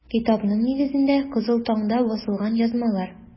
Китапның нигезендә - “Кызыл таң”да басылган язмалар.